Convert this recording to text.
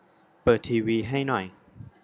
เปิดทีวีให้หน่อย